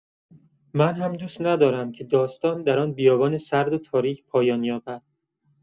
من هم دوست ندارم که داستان در آن بیابان سرد و تاریک پایان یابد.